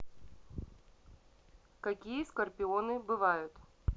какие скорпионы бывают